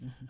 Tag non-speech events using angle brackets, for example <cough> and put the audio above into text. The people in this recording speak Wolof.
<hesitation> <hesitation>